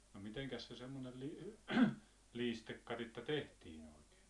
no mitenkäs se semmoinen - liistekatiska tehtiin oikein